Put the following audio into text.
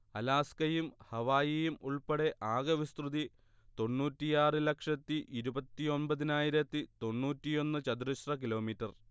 അലാസ്കയും ഹവായിയും ഉൾപ്പെടേ ആകെ വിസ്തൃതി തൊണ്ണൂറ്റിയാറ് ലക്ഷത്തിയിരുപത്തിയൊമ്പതിനായിരത്തി തൊണ്ണൂറ്റിയൊന്ന്ചതുരശ്ര കിലോമീറ്റർ